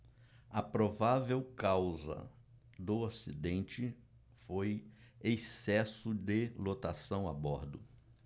a provável causa do acidente foi excesso de lotação a bordo